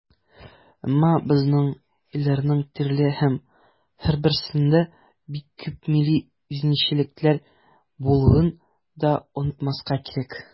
Әмма безнең илләрнең төрле һәм һәрберсендә бик күп милли үзенчәлекләр булуын да онытмаска кирәк.